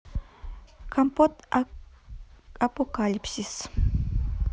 компот апокалипсис